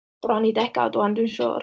Bron i ddegawd 'wan dwi'n siŵr.